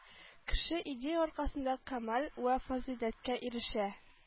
Кеше идея аркасында кәмаль вә фазыйләткә ирешә